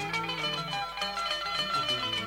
Sangɛnin yo